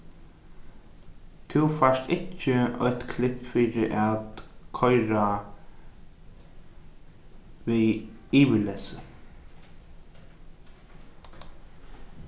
tú fært ikki eitt klipp fyri at koyra við yvirlessi